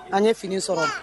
An ye fini sɔrɔ